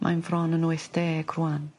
Mae'n fron yn wyth deg rŵan